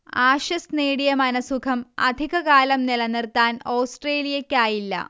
Ashes നേടിയ മനഃസുഖം അധിക കാലം നിലനിർത്താൻ ഓസ്ട്രേലിയയ്ക്കായില്ല